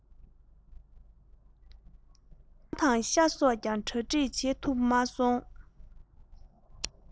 ཆང དང ཤ སོགས ཀྱང གྲ སྒྲིག བྱེད ཐུབ མ སོང